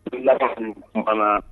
I la banna